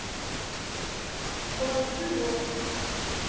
да живот